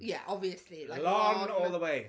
Ie obviously... Lon all the way.